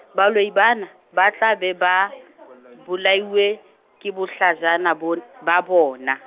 baloi bana, ba tla be ba , bolailwe , ke bohlajana bon-, ba bona.